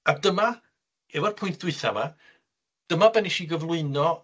A dyma, efo'r pwynt dwytha 'ma, dyma be wnes i gyflwyno